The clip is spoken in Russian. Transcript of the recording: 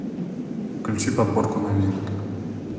включи подборку новинок